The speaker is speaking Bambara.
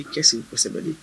I kɛ segu kosɛbɛ